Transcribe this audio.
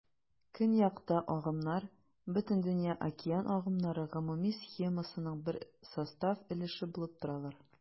Көньякта агымнар Бөтендөнья океан агымнары гомуми схемасының бер состав өлеше булып торалар.